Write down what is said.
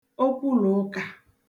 okwulụ̀ka